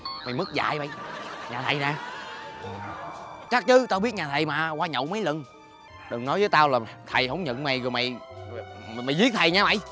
mày mất dạy mày nhà thầy nè chắc chứ tao biết nhà thầy mà qua nhậu mấy lần đừng nói với tao thầy hông nhận mày rồi mày mày giết thầy nha mày